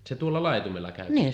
se tuolla laitumella käy